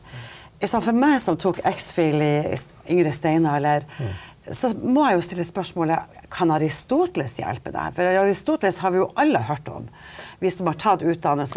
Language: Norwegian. ikke sant for meg som tok ex.phil. i yngre steinalder så må jeg jo stille spørsmålet kan Aristoteles hjelpe deg, for Aristoteles har vi jo alle hørt om vi som har tatt utdannelse.